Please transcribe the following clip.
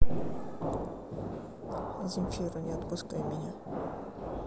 земфира не отпускай меня